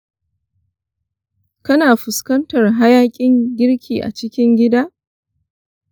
kana fuskantar hayaƙin girki a cikin gida?